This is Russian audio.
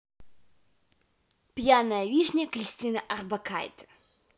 пьяная вишня кристина орбакайте